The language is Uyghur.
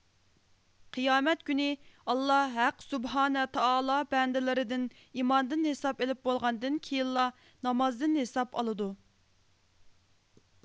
قىيامەت كۈنى ئاللا ھەق سوبھانەتائالا بەندىلىرىدىن ئىماندىن ھېساب ئېلىپ بولغاندىن كېيىنلا نامازدىن ھېساب ئالىدۇ